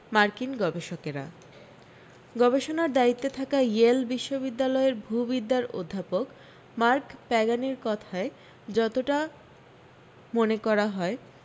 মার্কিন গবেষকেরা গবেষণার দায়িত্বে থাকা ইয়েল বিশ্ববিদ্যালয়ের ভূবিদ্যার অধ্যাপক মার্ক প্যাগানির কথায় যতটা মনে করা হয়